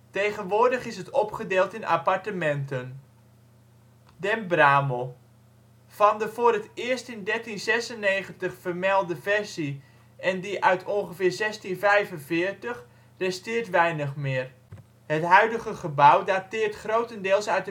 Tegenwoordig is het opgedeeld in appartementen. Den Bramel. Van de voor het eerst in 1396 vermelde versie en die uit ongeveer 1645 resteert weinig meer; het huidige gebouw dateert grotendeels uit